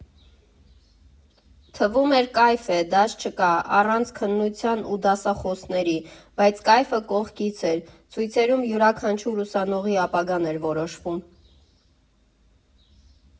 Թվում էր՝ կայֆ է, դաս չկա՝ առանց քննության ու դասախոսների, բայց կայֆը կողքից էր, ցույցերում յուրաքանչյուր ուսանողի ապագան էր որոշվում։